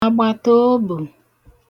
àgbàtàobù